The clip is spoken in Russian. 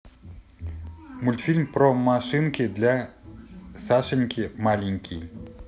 мультфильм про машинки для сашеньки маленький